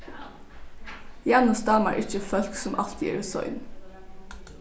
janus dámar ikki fólk sum altíð eru sein